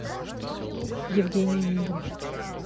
евгений онегин